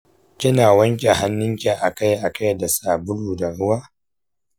kina wanke hannunki akai akai da sabulu da ruwa?